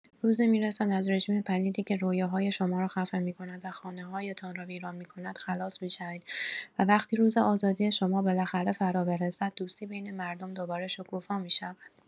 روزی می‌رسد از رژیم پلیدی که رویاهای شما را خفه می‌کند و خانه‌هایتان را ویران می‌کند خلاص می‌شوید و وقتی روز آزادی شما بالاخره فرابرسد، دوستی بین مردم دوباره شکوفا می‌شود.